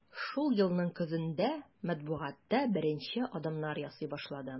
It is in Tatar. Шул елның көзендә матбугатта беренче адымнар ясый башладым.